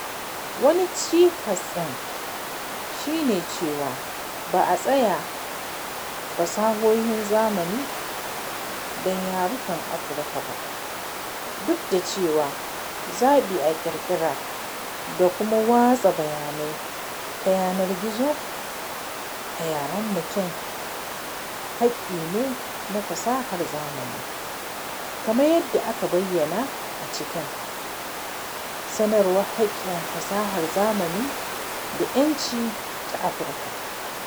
Wani cikas ɗin shi ne cewa ba a tsara fasahohin zamani don yarukan Afirka ba, duk da cewa “zaɓin a ƙirƙira da kuma watsa bayanai ta yanar gizo” a Yaren mutum haƙƙi ne na fasahar zamani, kamar yadda aka bayyana a cikin “Sanarwar Haƙƙin fasahar zamani da 'Yanci ta Afirka”.